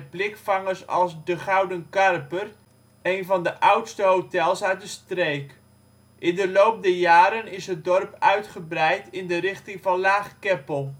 blikvangers als De Gouden Karper, één van de oudste hotels uit de streek. In de loop der jaren is het dorp uitgebreid in de richting van Laag-Keppel